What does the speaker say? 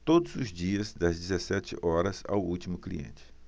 todos os dias das dezessete horas ao último cliente